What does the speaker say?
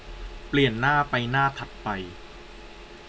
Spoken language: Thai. เปลี่ยนหน้าไปหน้าถัดไป